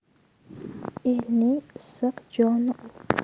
elning issiq joni u